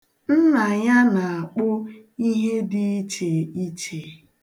Nna ya na-akpụ ihe dị ichiiche.